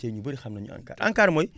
tey ñu bëri xam nañu ANCAR ANCAR mooy